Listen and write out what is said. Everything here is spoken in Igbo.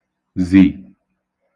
zì